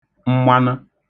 mmanụ